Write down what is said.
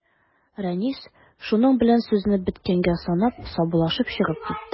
Рәнис, шуның белән сүзне беткәнгә санап, саубуллашып чыгып китте.